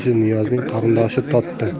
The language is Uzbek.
shu niyozning qarindoshi totdi